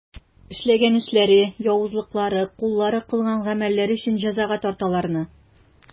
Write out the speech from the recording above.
Эшләгән эшләре, явызлыклары, куллары кылган гамәлләре өчен җәзага тарт аларны.